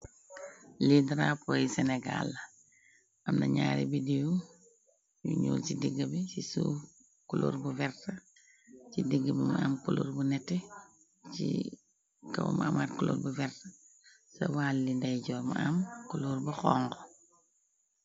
Li drapoy senegall, amna ñaare bidio yu ñuul ci digg bi, ci suuf kulóor bu wersa, ci digg bi ma am kulóor bu nette, ci kawamu amaat kuloor bu wersa, sa wall li nday joor, ma am kulóor bu xongo.